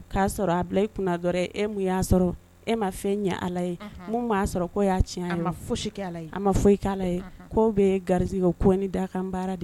K'a sɔrɔ a bila e kunna d e mun y'a sɔrɔ e ma fɛn ɲɛ ala ye'a sɔrɔ ko y'a tiɲɛ ma foyi ala ye ma foyi' ala ye ko bɛ garigɛ ko ni daa ka baara de ye